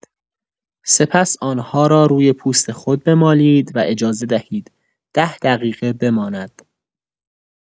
سپس آن‌ها را روی پوست خود بمالید و اجازه دهید ۱۰ دقیقه بماند.